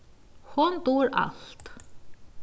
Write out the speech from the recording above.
hon dugir alt